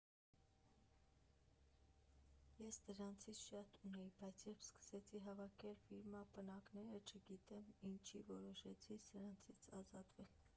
Ես դրանցից շատ ունեի, բայց երբ սկսեցի հավաքել ֆիրմա պնակները, չգիտեմ ինչի որոշեցի սրանցից ազատվել։